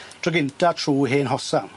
Tro gynta trw hen hosan.